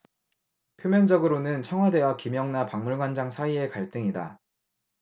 표면적으로는 청와대와 김영나 박물관장 사이의 갈등이다